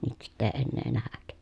nyt sitten ei enää nähdä